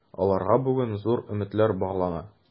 Аларга бүген зур өметләр баглана.